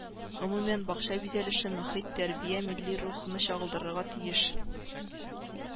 Гомумән, бакча бизәлеше, мохит, тәрбия милли рухны чагылдырырга тиеш